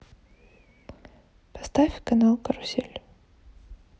поставь канал карусель